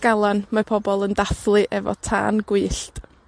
Galan, mae pobol yn dathlu efo tân gwyllt.